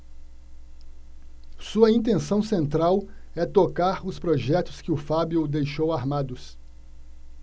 sua intenção central é tocar os projetos que o fábio deixou armados